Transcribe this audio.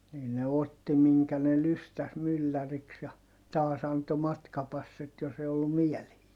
niin ne otti minkä ne lystäsi mylläriksi ja taas antoi matkapassit jos ei ollut mieleisiä